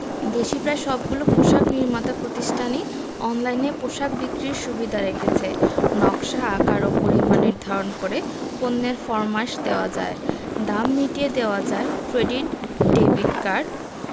দেশি প্রায় সবগুলো পোশাক নির্মাতা প্রতিষ্ঠানই অনলাইনে পোশাক বিক্রির সুবিধা রেখেছে নকশা আকার ও পরিমাণ নির্ধারণ করে পণ্যের ফরমাশ দেওয়া যায় দাম মিটিয়ে দেওয়া যায় ডেভিড ক্রেডিট কার্ড